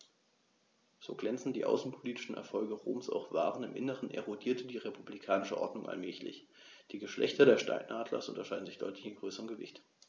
So glänzend die außenpolitischen Erfolge Roms auch waren: Im Inneren erodierte die republikanische Ordnung allmählich. Die Geschlechter des Steinadlers unterscheiden sich deutlich in Größe und Gewicht.